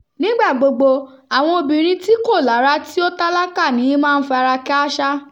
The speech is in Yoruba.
Nígbàgbogbo, àwọn obìnrin tí kò lárá tí ó tálákà ní í máa ń fi ara kááṣá.